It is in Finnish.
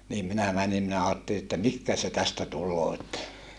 niin minä menin minä ajattelin että mihin se tästä tulee että